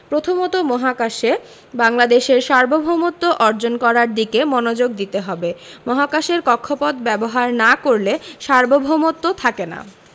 প্রথমত মহাকাশে বাংলাদেশের সার্বভৌমত্ব অর্জন করার দিকে মনোযোগ দিতে হবে মহাকাশের কক্ষপথ ব্যবহার না করলে সার্বভৌমত্ব থাকে না